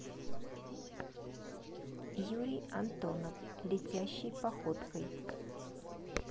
юрий антонов летящей походкой